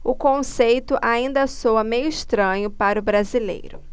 o conceito ainda soa meio estranho para o brasileiro